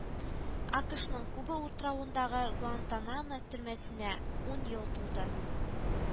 АКыШның Куба утравындагы Гуантанамо төрмәсенә ун ел тулды